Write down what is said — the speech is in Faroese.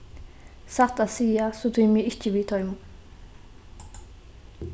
satt at siga so tími eg ikki við teimum